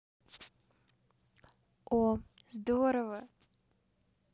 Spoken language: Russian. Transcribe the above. о здорово